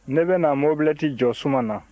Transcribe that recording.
ne bɛna mobilɛti jɔ suma na